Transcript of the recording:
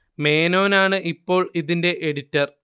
മേനോൻ ആണ് ഇപ്പോൾ ഇതിന്റെ എഡിറ്റർ